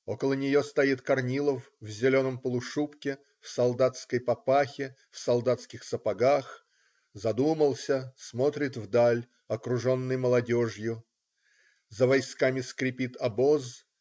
Около нее стоит Корнилов, в зеленом полушубке, в солдатской папахе, в солдатских сапогах,- задумался, смотрит вдаль, окруженный молодежью. За войсками скрипит обоз.